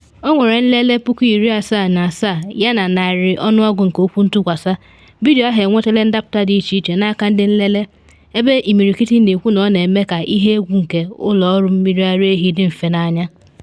Ọ nwere nlele 77,000 yana narị ọnụọgụ nke okwu ntụkwasa, vidio ahụ enwetala ndapụta dị iche iche n’aka ndị nlele, ebe imirikiti na ekwu na ọ na eme ka “ihe egwu” nke ụlọ ọrụ mmiri ara ehi dị mfe n’anya.